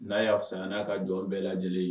Na ya fisaya na ka jɔn bɛɛ lajɛlen ye.